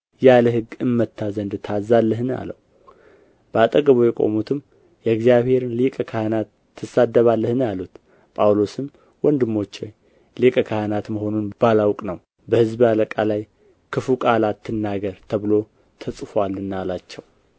ያለ ሕግ እመታ ዘንድ ታዛለህን አለው በአጠገቡ የቆሙትም የእግዚአብሔርን ሊቀ ካህናት ትሳደባለህን አሉት ጳውሎስም ወንድሞች ሆይ ሊቀ ካህናት መሆኑን ባላውቅ ነው በሕዝብህ አለቃ ላይ ክፉ ቃል አትናገር ተብሎ ተጽፎአልና አላቸው